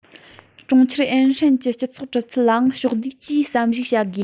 གྲོང ཁྱེར ཨན ཧྲན གྱི སྤྱི ཚོགས གྲུབ ཚུལ ལའང ཕྱོགས བསྡུས ཀྱིས བསམ གཞིགས བྱ དགོས